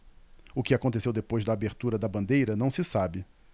o que aconteceu depois da abertura da bandeira não se sabe